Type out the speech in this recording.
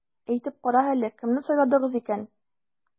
Әйтеп кара әле, кемне сайладыгыз икән?